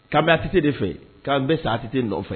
'anbi a tɛse de fɛ k'an bɛ sa a tɛte nɔ nɔfɛ